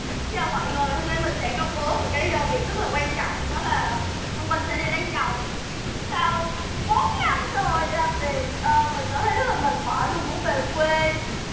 chào mọi người hôm nay mình sẽ công bố một cái việc rất là quan trọng nó là mình sẽ đi lấy chồng sau bốn năm rồi làm việc ờ mình cảm thấy rất là mệt mỏi mình muốn về quê